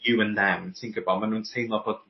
you and them ti'n gwbo ma' nw'n teimlo bod